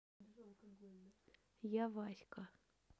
я васька